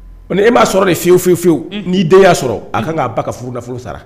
O la e m'a sɔrɔ de fihewu fiyewu n'i den y'a sɔrɔ a ka kan k'a ba ka furu nafolo sara